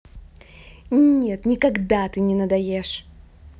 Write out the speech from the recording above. нет никогда ты не надоешь